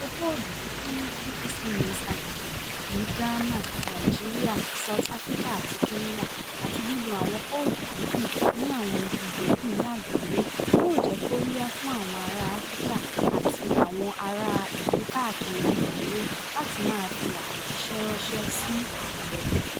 Lílo kóòdù kúkúrú fún SMS agbègbè ní Ghana (1713), Nàìjíríà (32969), South Africa (31958) àti Kenya (5683), àti lílo àwọn kóòdù gígùn ní àwọn ibi yòókù ní àgbáyé *, yóò jẹ́ kóríyá fún àwọn ará Áfíríkà àti àwọn ará ìlú káàkiri àgbáyé láti máa fi àtẹ̀jíṣẹ́ ránṣẹ́ sí Ààrẹ.